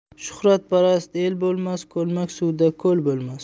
shuhratparast el bo'lmas ko'lmak suvdan koi bo'lmas